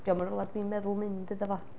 Dio'm yn rywle dwi'n meddwl mynd iddo fo.